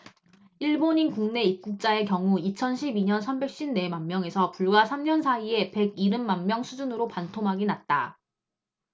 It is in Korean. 일본인 국내 입국자의 경우 이천 십 이 년 삼백 쉰 네 만명에서 불과 삼 년 사이에 백 일흔 만명 수준으로 반토막이 났다